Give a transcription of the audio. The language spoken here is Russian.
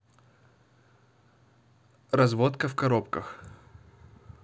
разводка в коробках